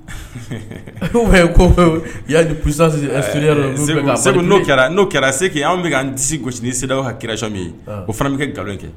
Seku n'o kɛra n'o kɛra c'est que anw bɛ kan disi gosi ni CEDEAO ka création min ye, an , o fana bɛ kɛ nkalo,n ye kɛ